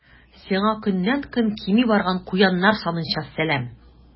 Сиңа көннән-көн кими барган куяннар санынча сәлам.